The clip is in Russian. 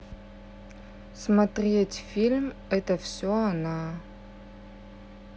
смотреть фильм это все она